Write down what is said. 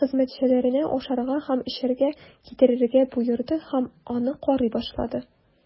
Ганс хезмәтчеләренә ашарга һәм эчәргә китерергә боерды һәм аны карый башлады.